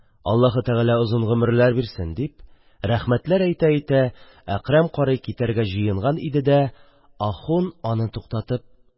Аллаһы Тәгалә озын гомерләр бирсен! – дип, рәхмәтләр әйтә-әйтә Әкрәм карый китәргә җыенганда, ахун, аны туктатып: